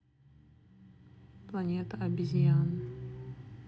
планета обезьян